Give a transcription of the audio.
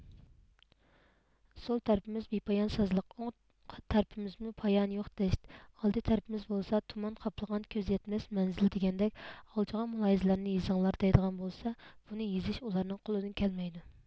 سول تەرىپىمىز بىپايان سازلىق ئوڭ تەرىپىمزمۇ پايانى يوق دەشت ئالدى تەرىپىمىز بولسا تۇمان قاپلىغان كۆز يەتمەس مەنزىل دېگەندەك ئالجىغان مۇلاھىزىلەرنى يېزىڭلار دەيدىغان بولسا بۇنى يېزىش ئۇلارنىڭ قولىدىن كەلمەيدۇ